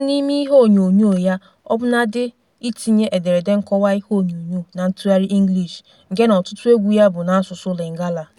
Ụfọdụ n'ime ihe onyonyo ya ọbụna dị itinye ederede nkọwa ihe onyonyo na ntụgharị English nke na ọtụtụ egwu ya bụ n'asụsụ Lingala.